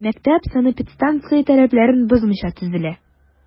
Мәктәп санэпидстанция таләпләрен бозмыйча төзелә.